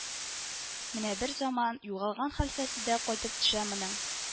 Менә бер заман югалган хәлфәсе дә кайтып төшә моның